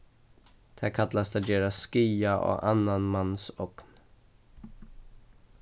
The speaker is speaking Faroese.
tað kallast at gera skaða á annan mans ogn